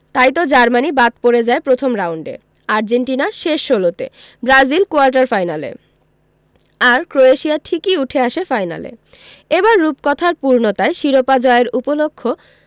তাইতো জার্মানি বাদ পড়ে যায় প্রথম রাউন্ডে আর্জেন্টিনা শেষ ষোলোতে ব্রাজিল কোয়ার্টার ফাইনালে আর ক্রোয়েশিয়া ঠিকই উঠে আসে ফাইনালে এবার রূপকথার পূর্ণতায় শিরোপা জয়ের উপলক্ষ